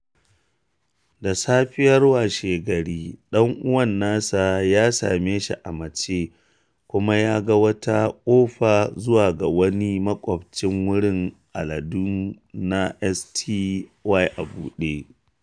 Da safiyar washegari, ɗan uwan nasa ya same shi a mace, kuma ya ga wata ƙofa zuwa ga wani makwaɓcin wurin aladu na sty a buɗe.